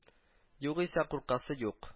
Югыйсә куркасы юк